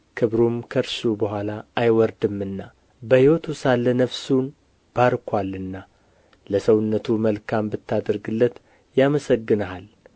ክብሩም ከእርሱ በኋላ አይወርድምና በሕይወቱ ሳለ ነፍሱን ባርኮአልና ለሰውነቱ መልካም ብታደርግለት ያመሰግንሃል